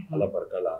Ala barika la